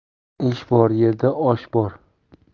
ish bor yerda osh bor